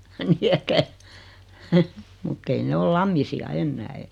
niin että mutta ei ne ole Lammisia enää -